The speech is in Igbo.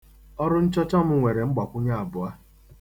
Ọrụ nchọcha m nwere mgbakwụnye abụọ.